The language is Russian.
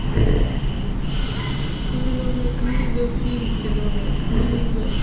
зеленая книга фильм зеленая книга